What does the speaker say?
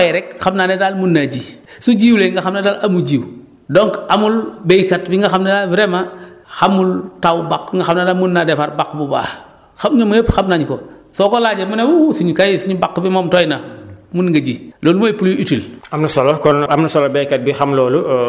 mais comme day taw moom mu ngi dox ci suuf si suuf soosu su tooyee rek xam naa ne daal mun naa ji su jiwulee nga xam ne daal amul jiw donc amul béykat bi nga xam ne daal vraiment xamul taw bàq nga xamne daal mun naa defar baq bu baax xam ne ma yëpp xam nañu ko soo ko laajee mu ne wuu ñun kay suñu baq bi moom tooy na mun nga ji loolu mooy pluie utile